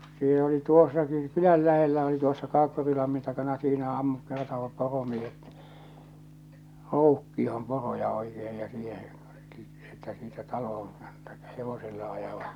sillä oli tuossakin kylän lähellä oli tuossa Kaakkurilammin takana siinä ammut kertoivat poromiehet roukkioon poroja oikein ja siihen että siitä taloon - hevosella ajavat